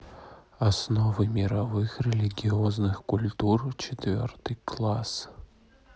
основы мировых религиозных культур четвертый класс